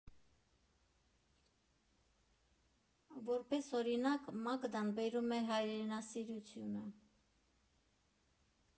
Որպես օրինակ Մագդան բերում է հայրենասիրությունը.